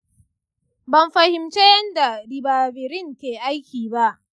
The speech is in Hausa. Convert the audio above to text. ban fahimci yadda ribavirin ke aiki ba.